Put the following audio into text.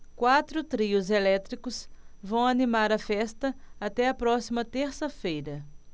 quatro trios elétricos vão animar a festa até a próxima terça-feira